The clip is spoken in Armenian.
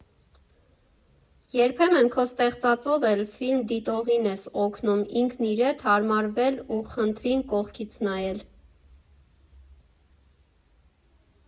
Երբեմն քո ստեղծածով էլ ֆիլմ դիտողին ես օգնում ինքն իր հետ հարմարվել ու խնդրին կողքից նայել.